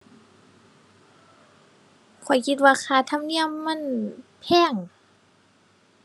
ข้อยคิดว่าค่าธรรมเนียมมันแพง